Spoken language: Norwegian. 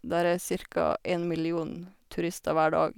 Der er cirka en million turister hver dag.